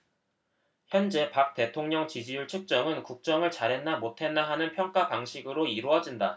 현재 박 대통령 지지율 측정은 국정을 잘했나 못했나 하는 평가 방식으로 이루어진다